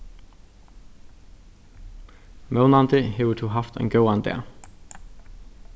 vónandi hevur tú havt ein góðan dag